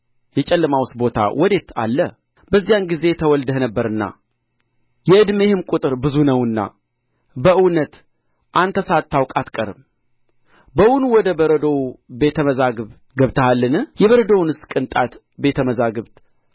የጨለማውስ ቦታ ወዴት አለ በዚያን ጊዜ ተወልደህ ነበርና የዕድሜህም ቍጥር ብዙ ነውና በእውነት አንተ ሳታውቅ አትቀርም በውኑ ወደ በረዶው ቤተ መዛግብት ገብተሃልን የበረዶውንስ ቅንጣት ቤተ መዛግብት